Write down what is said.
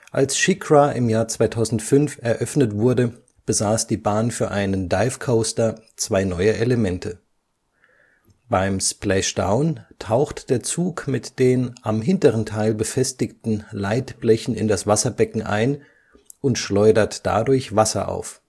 Als SheiKra 2005 eröffnet wurde, besaß die Bahn für einen Dive Coaster zwei neue Elemente. Beim Splashdown taucht der Zug mit den am hinteren Teil befestigten Leitblechen in das Wasserbecken ein und schleudert dadurch Wasser auf